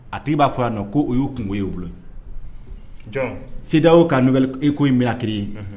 A tigi i b'a fɔ a nɔ ko o y'u kun y'o bolo sida y' ka e ko in bila ki ye